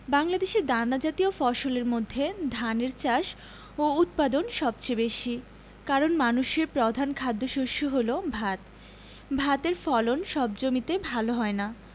বাংলাদেশে দানাজাতীয় ফসলের মধ্যে ধানের চাষ ও উৎপাদন সবচেয়ে বেশি কারন মানুষের প্রধান খাদ্যশস্য হলো ভাত ধানের ফলন সব জমিতে ভালো হয় না